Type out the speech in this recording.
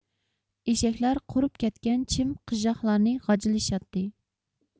ئېشەكلەر قۇرۇپ كەتكەن چىم قىژژاقلارنى غاجىلىشاتتى